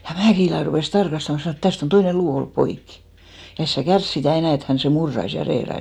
ja Mäkilä rupesi tarkastamaan sanoi että tästä on toinen luu ollut poikki ja et sinä kärsi sitä enää että hän sen murtaisi ja reilaisi